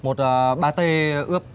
một ờ ba tê ướp